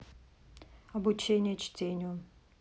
обучение чтению